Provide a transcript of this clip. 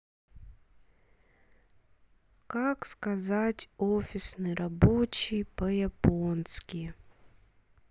как сказать офисный рабочий по японски